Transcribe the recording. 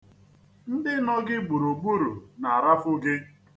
Ndị nọ gị gburugburu na-arafu gị.